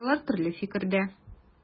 Татарлар төрле фикердә.